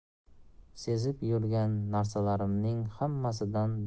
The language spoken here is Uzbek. sezib yurgan narsalarimning hammasidan